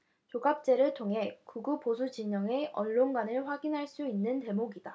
조갑제를 통해 극우보수진영의 언론관을 확인할 수 있는 대목이다